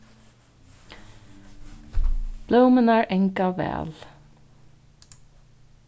blómurnar anga væl